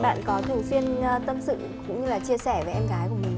bạn có thường xuyên tâm sự cũng là chia sẻ với em gái của